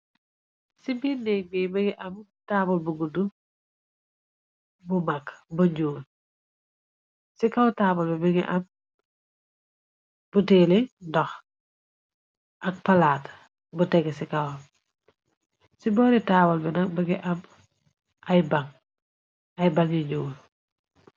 Ci birnéeg bi bëgi ab taabal bu gudd bu mag banjuul ci kaw taabal bi bengi ab bu teele ndox ak palaata bu teg ci kaw ci boori taawal bi na bagi ab ay bani nyuul.